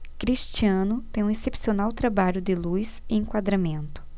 cristiano tem um excepcional trabalho de luz e enquadramento